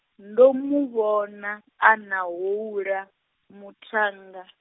ndo muvhona, ana houḽa, muṱhannga.